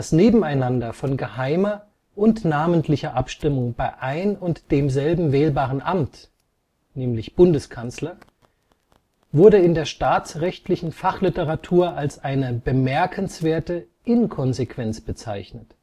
Nebeneinander von geheimer und namentlicher Abstimmung bei ein und demselben wählbaren Amt (Bundeskanzler) wurde in der staatsrechtlichen Fachliteratur als eine bemerkenswerte „ Inkonsequenz “bezeichnet